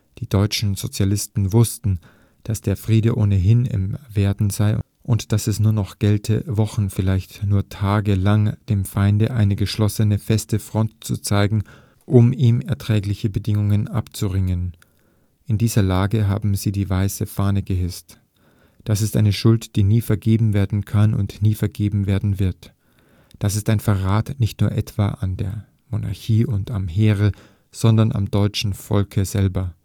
Die deutschen Sozialisten wussten, daß der Friede ohnehin im Werden sei und daß es nur noch gelte, Wochen, vielleicht nur Tage lang dem Feinde eine geschlossene, feste Front zu zeigen, um ihm erträgliche Bedingungen abzuringen. In dieser Lage haben sie die weiße Fahne gehisst. Das ist eine Schuld, die nie vergeben werden kann und nie vergeben werden wird. Das ist ein Verrat, nicht etwa nur an der Monarchie und am Heere, sondern am deutschen Volke selber